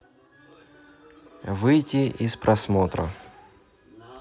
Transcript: выйти из просмотра